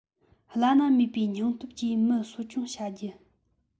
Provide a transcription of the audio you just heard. བླ ན མེད པའི སྙིང སྟོབས ཀྱིས མི གསོ སྐྱོང བྱ རྒྱུ